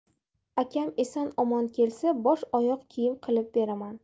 akam eson omon kelsa bosh oyoq kiyim qilib beraman